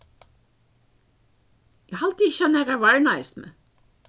eg haldi ikki at nakar varnaðist meg